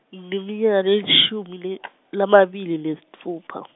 ngineminyaka lengemashumi le- lamabili nesitfupha.